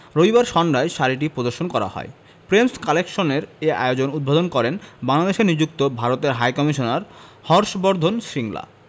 রবিবার সন্ধ্যায় শাড়িটি প্রদর্শন করা হয় প্রেমস কালেকশনের এ আয়োজন উদ্বোধন করেন বাংলাদেশে নিযুক্ত ভারতের হাইকমিশনার হর্ষ বর্ধন শ্রিংলা